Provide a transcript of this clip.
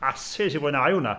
'Asu wnes i fwynhau hwnna.